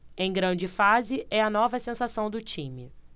em grande fase é a nova sensação do time